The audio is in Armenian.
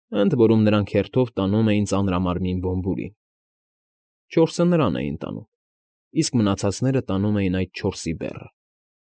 Ընդ որում, նրանք հերթով տանում էին ծանրամարմին Բոմբուրին, չորսը նրան էին տանում, իսկ մնացածը տանում էին այդ չորսի բեռը։